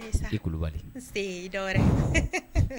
Kulubali se